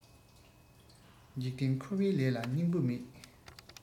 འཇིག རྟེན འཁོར བའི ལས ལ སྙིང པོ མེད